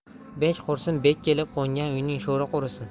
bek qursin bek kelib qo'ngan uyning sho'ri qurisin